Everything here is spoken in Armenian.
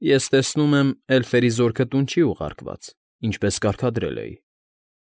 Ես տեսնում եմ, էլֆերի զորքը տուն չի ուղարկված, ինչպես կարգադրել էի։